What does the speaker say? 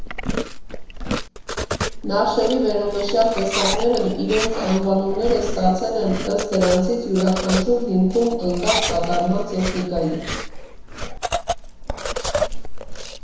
Նախշերի վերոնշյալ տեսակներն իրենց անվանումները ստացել են ըստ դրանցից յուրաքանչյուրի հիմքում ընկած կատարման տեխնիկայի։